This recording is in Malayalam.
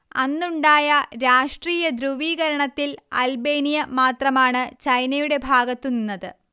അന്നുണ്ടായ രാഷ്ട്രീയ ധ്രുവീകരണത്തിൽ അൽബേനിയ മാത്രമാണ് ചൈനയുടെ ഭാഗത്തു നിന്നത്